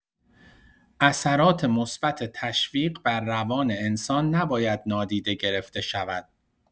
اثرات مثبت تشویق بر روان انسان نباید نادیده گرفته شود.